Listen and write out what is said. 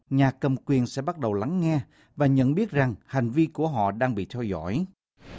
nhà cầm quyền sẽ bắt đầu lắng nghe và nhận biết rằng hành vi của họ đang bị theo dõi